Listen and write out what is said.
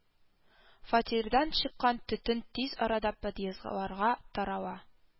Фатирдан чыккан төтен тиз арада подъездларга тарала